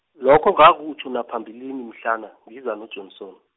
lokho ngakutjho naphambilini mhlana ngize noJanson.